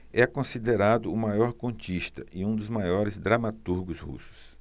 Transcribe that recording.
é considerado o maior contista e um dos maiores dramaturgos russos